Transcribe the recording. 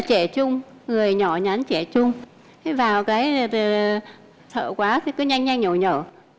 trẻ trung người nhỏ nhắn trẻ trung thế vào cái sợ quá thì cứ nhanh nhanh nhẩu nhẩu